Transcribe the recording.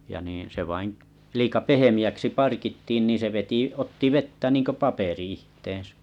ja niin se vain liian pehmeäksi parkittiin niin se veti otti vettä niin kuin paperi itseensä